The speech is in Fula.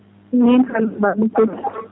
min *